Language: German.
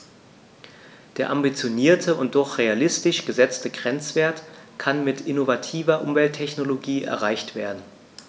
Der ambitionierte und doch realistisch gesetzte Grenzwert kann mit innovativer Umwelttechnologie erreicht werden.